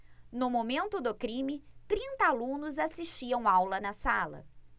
no momento do crime trinta alunos assistiam aula na sala